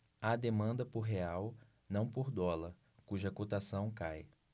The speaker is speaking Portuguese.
há demanda por real não por dólar cuja cotação cai